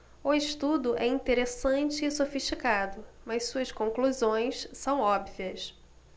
o estudo é interessante e sofisticado mas suas conclusões são óbvias